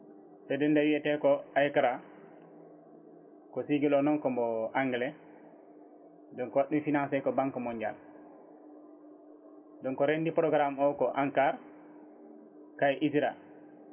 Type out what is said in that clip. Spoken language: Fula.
fedde nde wiyete ko AICCRA ko sigle o noon kombo Englais donc waɗiɗum financé ko banque mondiale donc rendi programme o ENCAR kay ISRA